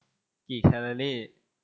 กี่แคลอรี่